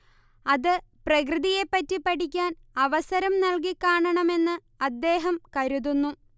അത് പ്രകൃതിയെപറ്റി പഠിക്കാൻ അവസരം നൽകിക്കാണണം എന്ന് അദ്ദേഹം കരുതുന്നു